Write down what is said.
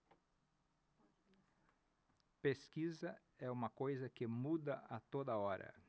pesquisa é uma coisa que muda a toda hora